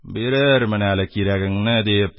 «бирермен әле кирәгеңне» дип,